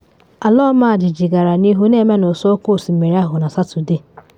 Ala ọmajiji gara n’ihu na eme n’ụsọ oke osimiri ahụ na Satọde.